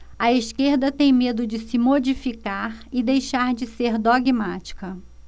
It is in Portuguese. a esquerda tem medo de se modificar e deixar de ser dogmática